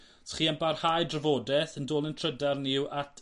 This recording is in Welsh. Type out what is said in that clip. Os 'ych chi am barhau'r drafodeth 'yn dolen trydar ni yw at...